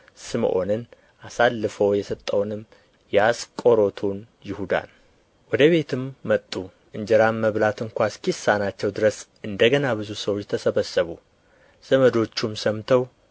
ስምዖንን አሳልፎ የሰጠውንም የአስቆሮቱን ይሁዳን ወደ ቤትም መጡ እንጀራም መብላት ስንኳ እስኪሳናቸው ድረስ እንደ ገና ብዙ ሰዎች ተሰበሰቡ ዘመዶቹም ሰምተው